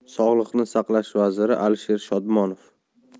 sog'liqni saqlash vaziri alisher shodmonov